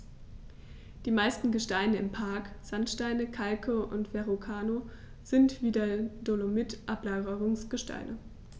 Die meisten Gesteine im Park – Sandsteine, Kalke und Verrucano – sind wie der Dolomit Ablagerungsgesteine.